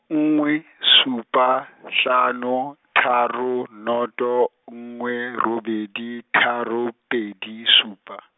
nngwe, supa, hlano, tharo, noto, nngwe, robedi, tharo, pedi, supa.